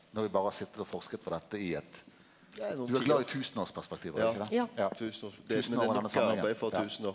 nå har vi berre sete og forska på dette i eit du er glad i tusenårsperspektiv er du ikkje det 1000 år med denne samlinga ja.